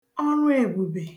ọrụèbùbè